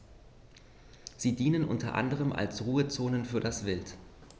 Sie dienen unter anderem als Ruhezonen für das Wild.